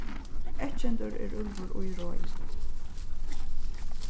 eyðkendur er úlvur í roði